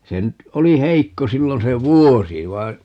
se nyt oli heikko silloin se vuosi vaan